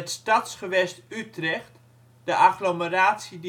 stadsgewest Utrecht, de agglomeratie